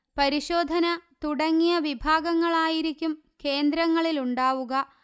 പരിശോധന തുടങ്ങിയ വിഭാഗങ്ങളായിരിക്കും കേന്ദ്രങ്ങളിലുണ്ടാവുക